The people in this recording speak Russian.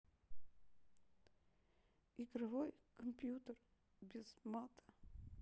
игровой компьютер без мата